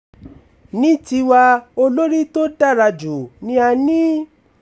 Ní tiwa, olórí tó dára jù ni a ní.